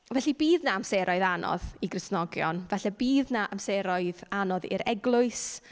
Felly, bydd 'na amseroedd anodd i Gristnogion, falle bydd 'na amseroedd anodd i'r Eglwys.